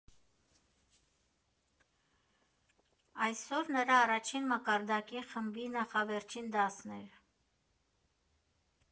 Այսօր նրա՝ առաջին մակարդակի խմբի նախավերջին դասն էր։